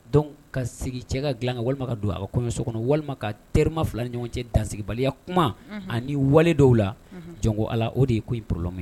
Donc ka sigi cɛ ka dilan kan walima ka don a bɛ kɔɲɔso kɔnɔ walima ka terima fila ni ɲɔgɔn cɛ dansigibaliya kuma, unhun, ani wale dɔw la, un, jɔn ko Ala o de ye ko in problème ye